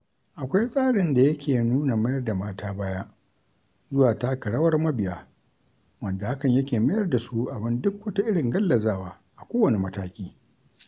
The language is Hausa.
Akwai tsarin da yake nuna mayar da mata baya zuwa taka rawar mabiya wanda hakan yake mayar da su abun duk wata irin gallazawa a kowane mataki.